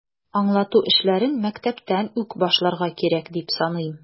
Аңлату эшләрен мәктәптән үк башларга кирәк, дип саныйм.